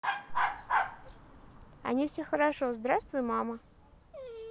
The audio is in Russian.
они все хорошо здравствуй мама